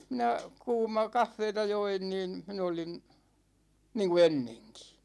minä kuuma kahvia join niin minä olin niin kuin ennenkin